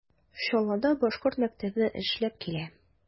Чаллыда башкорт мәктәбе эшләп килә.